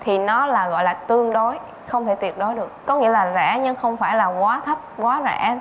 thì nó là gọi là tương đối không thể tuyệt đối được có nghĩa là rẻ nhưng không phải là quá thấp quá rẻ